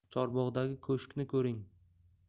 chorbog'dagi ko'shkni ko'ring